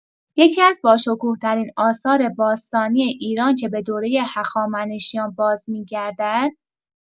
یکی‌از باشکوه‌ترین آثار باستانی ایران که به دوره هخامنشیان بازمی‌گردد.